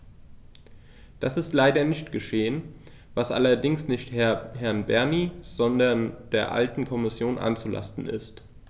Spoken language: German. Das ist leider nicht geschehen, was allerdings nicht Herrn Bernie, sondern der alten Kommission anzulasten ist.